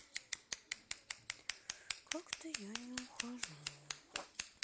как то я не ухожу